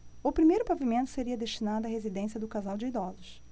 o primeiro pavimento seria destinado à residência do casal de idosos